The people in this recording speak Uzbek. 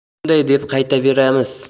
shunday deb qaytaveramiz